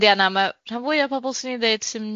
Ond ia na, ma' rhan fwyaf o bobol sw'n i'n ddeud sy'n